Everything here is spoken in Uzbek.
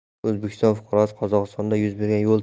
o'zbekiston fuqarosi qozog'istonda yuz bergan